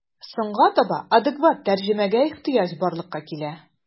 Соңга таба адекват тәрҗемәгә ихҗыяҗ барлыкка килә.